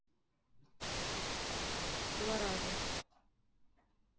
два раза